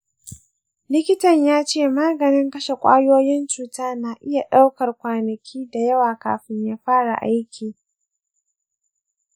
likitan ya ce maganin kashe ƙwayoyin cuta na iya ɗaukar kwanaki da yawa kafin ya fara aiki.